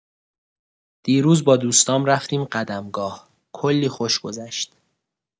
دیروز با دوستام رفتیم قدمگاه، کلی خوش گذشت!